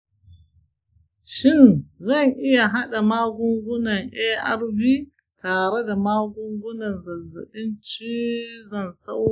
shin zan iya haɗa magungunan arv tare da magungunan zazzabin cizon sauro?